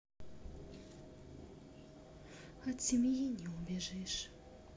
от семьи не убежишь